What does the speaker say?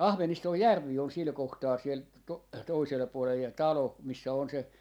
Ahveniston järvi on sillä kohtaa siellä - toisella puolen ja talo missä on se